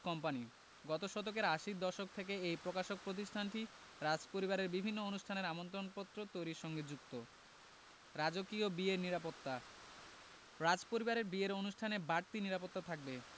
company গত শতকের আশির দশক থেকে এই প্রকাশক প্রতিষ্ঠানটি রাজপরিবারের বিভিন্ন অনুষ্ঠানের আমন্ত্রণপত্র তৈরির সঙ্গে যুক্ত রাজকীয় বিয়ের নিরাপত্তা রাজপরিবারের বিয়ের অনুষ্ঠানে বাড়তি নিরাপত্তা থাকবে